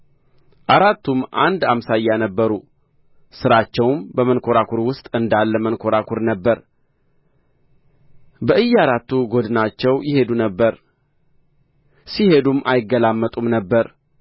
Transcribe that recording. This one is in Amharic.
አራቱም አንድ አምሳያ ነበሩ ሥራቸውም በመንኰራኵር ውስጥ እንዳለ መንኰራኵር ነበረ በእያራቱ ጐድናቸው ይሄዱ ነበር ሲሄዱም አይገላመጡም ነበር